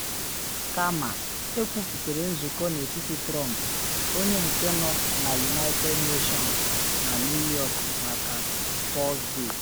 Kama, ekwuputere nzụkọ n’etiti Trump, onye nke nọ na United Nations na New York maka Tọsde.